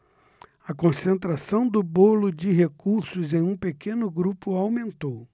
a concentração do bolo de recursos em um pequeno grupo aumentou